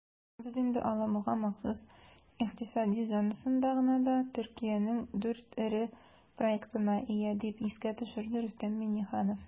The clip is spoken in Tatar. "без инде алабуга махсус икътисади зонасында гына да төркиянең 4 эре проектына ия", - дип искә төшерде рөстәм миңнеханов.